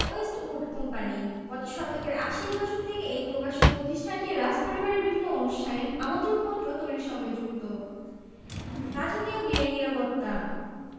Westwood company গত শতকের আশির দশক থেকে এই প্রকাশক প্রতিষ্ঠানটি রাজপরিবারের বিভিন্ন অনুষ্ঠানের আমন্ত্রণপত্র তৈরির সঙ্গে যুক্ত রাজকীয় বিয়ের নিরাপত্তা